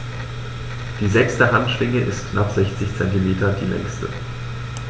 Die sechste Handschwinge ist mit knapp 60 cm die längste.